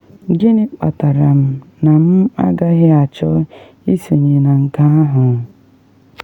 Gịnị kpatara na m agaghị achọ isonye na nke ahụ?”